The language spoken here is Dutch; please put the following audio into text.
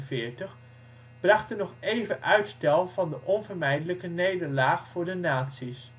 1944-1945 brachten nog even uitstel van de onvermijdelijke nederlaag voor de nazi 's